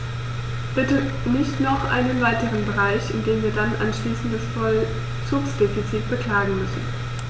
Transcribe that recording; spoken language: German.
Bitte nicht noch einen weiteren Bereich, in dem wir dann anschließend das Vollzugsdefizit beklagen müssen.